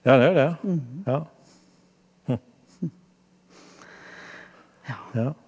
ja han er jo det ja ja.